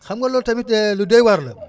xam nga loolu tamit lu doy waar la